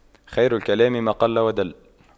خير الكلام ما قل ودل